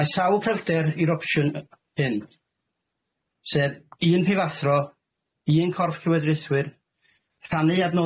Mae sawl pryder i'r opsiwn yy hyn, sef un prifathro, un corff llywodraethwyr,